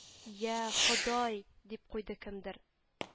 — я, ходай…— дип куйды кемдер